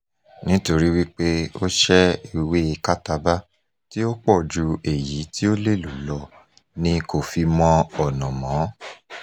Nítorí wípé ó ṣẹ́ ewé kátabá tí ó pọ̀ ju èyí tí ó lè lò lọ ni kò fi mọ ọ̀nà mọ́n.